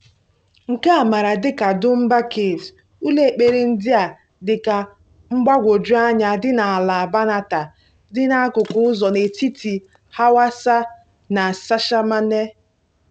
Nke a maara dị ka Dunbar Caves, ụlọ ekpere ndị a dị mgbagwoju anya dị na ala Banatah dị n'akụkụ ụzọ n'etiti Hawassa na Shashamene.